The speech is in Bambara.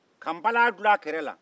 ka npalan dulon a kɛra la